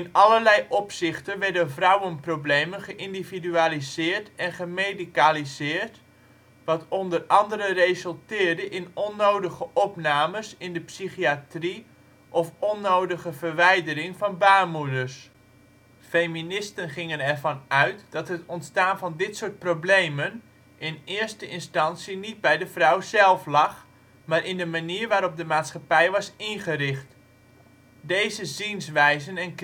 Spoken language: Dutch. allerlei opzichten werden vrouwenproblemen geïndividualiseerd en gemedicaliseerd, wat onder andere resulteerde in onnodige opnames in de psychiatrie of onnodige verwijdering van baarmoeders. Feministen gingen ervan uit dat het ontstaan van dit soort problemen in eerste instantie niet bij de vrouw zelf lagen, maar in de manier waarop de maatschappij was ingericht. Deze zienswijzen en